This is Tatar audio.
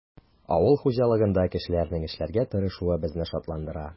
Авыл хуҗалыгында кешеләрнең эшләргә тырышуы безне шатландыра.